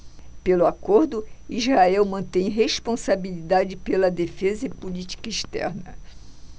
pelo acordo israel mantém responsabilidade pela defesa e política externa